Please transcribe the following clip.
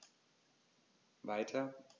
Weiter.